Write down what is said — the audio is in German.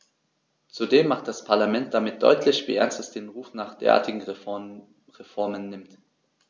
Zudem macht das Parlament damit deutlich, wie ernst es den Ruf nach derartigen Reformen nimmt.